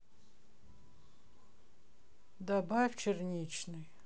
добавь черничный